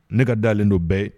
Ne ka dalen don bɛɛ